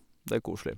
Det er koselig.